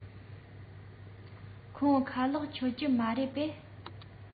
ཁོང ཁ ལག མཆོད ཀྱི མ རེད པས